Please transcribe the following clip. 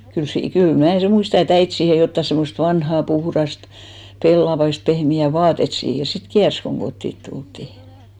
kyllä - kyllä minä sen muistan että äiti siihen jotakin semmoista vanhaa puhdasta pellavaista pehmeää vaatetta siihen sitten kiersi kun kotiin tultiin